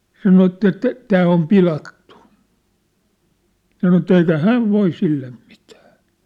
sanoi että että tämä on pilattu ja sanoi että eikä hän voi sille mitään